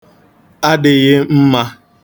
adị̄ghị̄ mmā